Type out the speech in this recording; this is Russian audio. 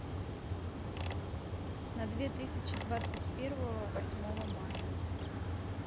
на две тысячи двадцать первого восьмого мая